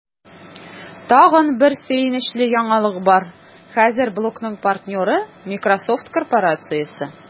Тагын бер сөенечле яңалык бар: хәзер блогның партнеры – Miсrosoft корпорациясе!